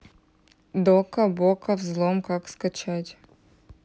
дока бока взлом как скачать